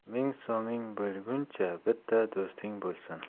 ming so'ming bo'lguncha bitta do'sting bo'lsin